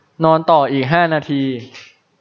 นอนต่ออีกห้านาที